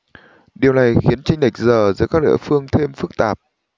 điều này khiến chênh lệch giờ giữa các địa phương thêm phức tạp